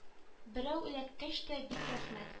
Берәү эләккәч тә бик рәхмәт